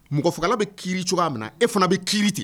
Mɔgɔ faga bɛ kiri cogo min na e fana bɛ kiiri ten